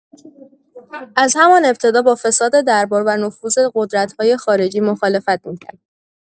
از همان ابتدا با فساد دربار و نفوذ قدرت‌های خارجی مخالفت می‌کرد.